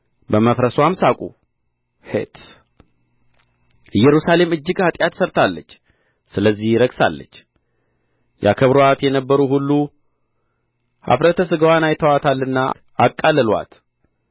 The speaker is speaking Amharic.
በመፍረስዋም ሳቁ ሔት ኢየሩሳሌም እጅግ ኃጢአት ሠርታለች ስለዚህ ረክሳለች ያከብሩአት የነበሩ ሁሉ ኀፍረተ ሥጋዋን አይተዋታልና አቃለሉአት